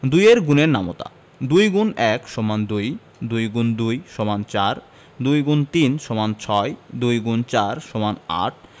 ২ এর গুণের নামতা ২গুণ ১ সমান ২ ২গুণ ২ সমান ৪ ২গুণ ৩ সমান ৬ ২গুণ ৪ সমান ৮